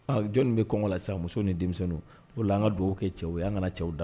Jɔnni bɛ kɔngɔ la sisan muso ni denmisɛnnin o la an ka dugawu kɛ cɛw o y yean kana cɛw da